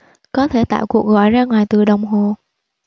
có thể tạo cuộc gọi ra ngoài từ đồng hồ